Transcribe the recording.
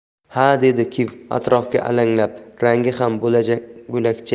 ha dedi kiv atrofga alanglab rangi ham bo'lakcha